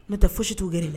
N bɛ taa foyisi tɛ uɛrɛ la